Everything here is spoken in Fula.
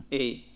eeyi